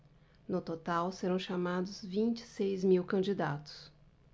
no total serão chamados vinte e seis mil candidatos